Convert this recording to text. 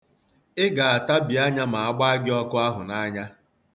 Ị ga-atabi anya ma a gbaa gị ọkụ ahụ n'anya.